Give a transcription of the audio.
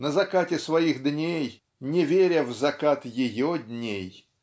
на закате своих дней не веря в закат ее дней